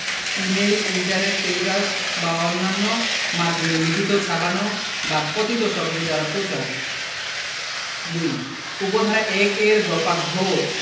ই mail internet telecast বা অন্যান্য মাধ্যমে লিখিত ছাপানো বা কথিত শব্দের দ্বারা প্রচার ২ উপ ধারা ১ এর দফা ঘ